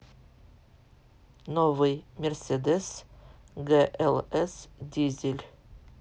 новый мерседес глс дизель